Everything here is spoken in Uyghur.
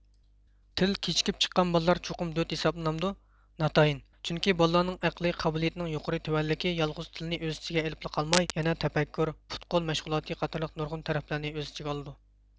تىل كىچىكىپ چىققان بالىلار چوقۇم دۆت ھېسابلىنامدۇ ناتايىن چۈنكى بالىلارنىڭ ئەقلىي قابىلىيىتىنىڭ يۇقىرى تۆۋەنلىكى يالغۇز تىلنى ئۆز ئىچىگە ئېلىپلا قالماي يەنە تەپەككۇر پۇت قول مەشغۇلاتى قاتارلىق نۇرغۇن تەرەپلەرنى ئۆز ئىچىگە ئالىدۇ